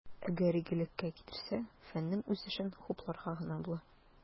Әгәр игелеккә китерсә, фәннең үсешен хупларга гына була.